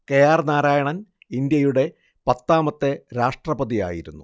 K R Narayanan ഇന്ത്യയുടെ പത്താമത്തെ രാഷ്ട്രപതിയായിരുന്നു